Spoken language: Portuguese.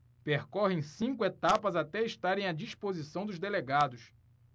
percorrem cinco etapas até estarem à disposição dos delegados